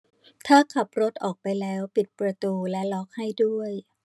ถ้าขับรถออกไปแล้วปิดประตูและล็อกให้ด้วย